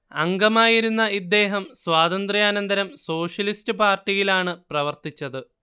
അംഗമായിരുന്ന ഇദ്ദേഹം സ്വാതന്ത്ര്യാനന്തരം സോഷ്യലിസ്റ്റ് പാർട്ടിയിലാണ് പ്രവർത്തിച്ചത്